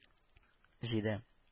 Җыйды